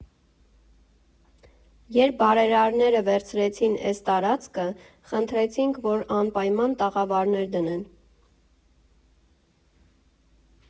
Երբ բարերարները վերցրեցին ես տարածքը, խնդրեցինք, որ անպայման տաղավարներ դնեն։